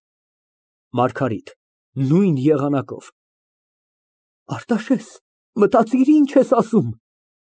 ՄԱՐԳԱՐԻՏ ֊ (Նույն եղանակով) Արտաշես, մտածիր, ինչ ես ասում։